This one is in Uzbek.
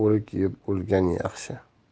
o'rik yeb o'lgan yaxshi